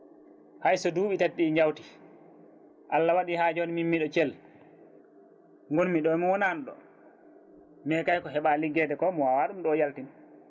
hayso duuɓi tati ɗi jawti Allah waaɗi ha joni min mbiɗa Thiel gonmi ɗo mi wonani ɗo mais kay ko heeɓa ligguede ko mi wawa ɗum ɗo yaltin